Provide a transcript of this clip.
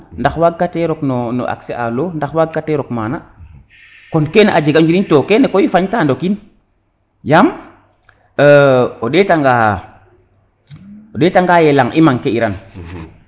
ndax waag kate rok no accés a l' eau ndax waag kate rok mana kon kene koy a jega o njiriñ to kene koy fañ tano kiin yaam o ndeta nga o ndeta ngaye lang i manquer i ran